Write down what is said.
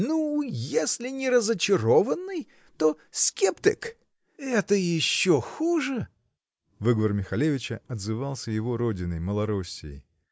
-- Ну, если не разочарований, то скептык, это еще хуже (выговор Михалевича отзывался его родиной, Малороссией).